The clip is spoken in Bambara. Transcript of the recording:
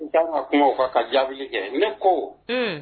N' ka kumaw fɛ ka jaabi kɛ ne ko